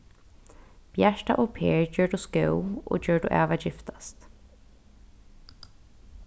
bjarta og per gjørdust góð og gjørdu av at giftast